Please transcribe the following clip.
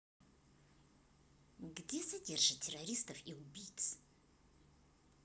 где содержат террористов и убийц